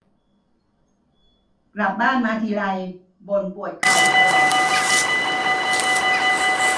กลับบ้านมาทีไรบ่นปวดเข่าตลอด